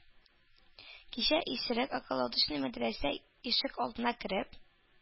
Кичә исерек околодочный мәдрәсә ишек алдына кереп,